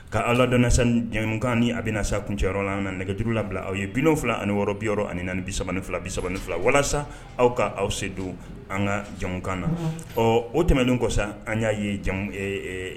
Ka ala lad jamukan ni a bɛna na sa kuncɛyɔrɔ la an na nɛgɛgejuru la bila aw ye bifila ani wɔɔrɔ biyɔrɔ ani bisa fila bisa fila walasa aw ka aw se don an ka jamukan na ɔ o tɛmɛnen ko sa an y'a ye